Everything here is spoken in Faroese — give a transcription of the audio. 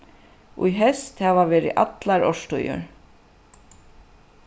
í heyst hava verið allar árstíðir